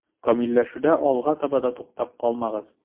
Камилләшүдә алга таба да туктап калмагыз.